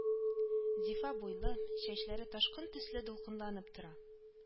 Зифа буйлы, чәчләре ташкын төсле дулкынланып тора